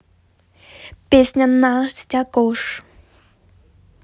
песня настя кош